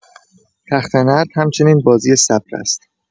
تخته‌نرد همچنین بازی صبر است.